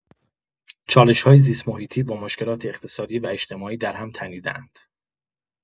چالش‌های زیست‌محیطی با مشکلات اقتصادی و اجتماعی در هم تنیده‌اند.